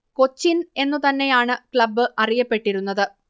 കൊച്ചിൻ എന്നു തന്നെയാണ് ക്ലബ് അറിയപ്പെട്ടിരുന്നത്